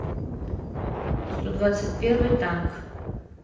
сто двадцать первый танк